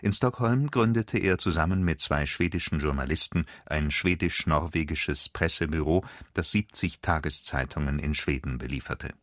Stockholm gründete er zusammen mit zwei schwedischen Journalisten ein schwedisch-norwegisches Pressebüro, das 70 Tageszeitungen in Schweden belieferte